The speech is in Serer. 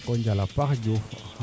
njoko njal a paax Diouf